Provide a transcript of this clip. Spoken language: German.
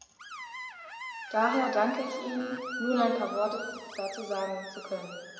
Daher danke ich Ihnen, nun ein paar Worte dazu sagen zu können.